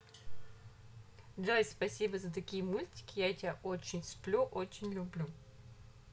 джой спасибо за такие мультики я тебя очень сплю очень люблю